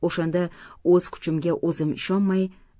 o'shanda o'z kuchimga o'zim ishonmay